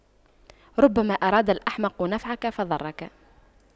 ربما أراد الأحمق نفعك فضرك